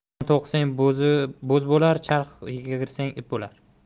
do'kon to'qisang bo'z bo'lar charx yigirsang ip bo'lar